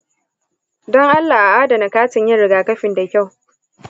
don allah a adana katin yin rigakafin da kyau.